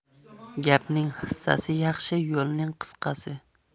gapning hissasi yaxshi yo'lning qisqasi